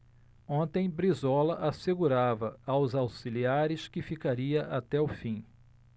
ontem brizola assegurava aos auxiliares que ficaria até o fim